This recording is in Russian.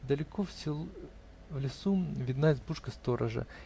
далеко в лесу видна избушка сторожа.